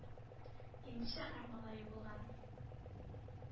Инде шәһәр малае булган.